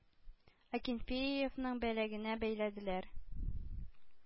Акинфееевның беләгенә бәйләделәр.